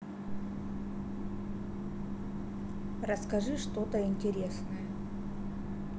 расскажи что то интересное